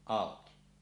auki